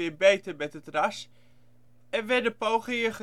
beter met het ras en werden pogingen